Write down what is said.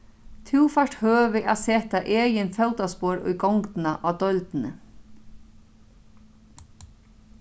tú fært høvi at seta egin fótaspor í gongdina á deildini